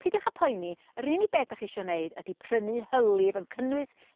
Peidiwch â poeni yr unig beth 'dach chi isio neud ydi prynu hylif yn cynnwys